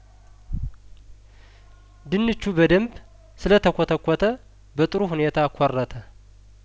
ድንቹ በደንብ ስለተኰተኰተ በጥሩ ሁኔታ ኰረተ